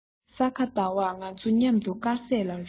ས ག ཟླ བར ང ཚོ མཉམ དུ དཀར ཟས ལ རོལ